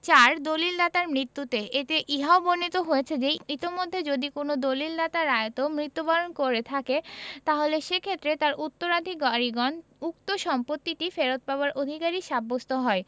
৪ দলিল দাতার মৃত্যুতে এতে ইহাও বর্ণিত হয়েছে যে ইতমধ্যে যদি কোন দলিলদাতা রায়ত মৃত্যুবরণ করে থাকে তাহলে সেক্ষেত্রে তার উত্তরাধিকারীগণ উক্ত সম্পত্তিটি ফেরত পাবার অধিকারী সাব্যস্ত হয়